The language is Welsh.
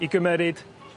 i gymerid